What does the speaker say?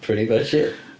Pretty much it.